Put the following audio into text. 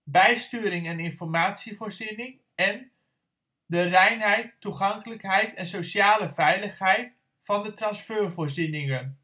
bijsturing en informatievoorziening, en; - de reinheid, toegankelijkheid en sociale veiligheid van de transfervoorzieningen